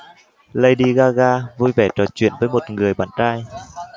lady gaga vui vẻ trò chuyện với một người bạn trai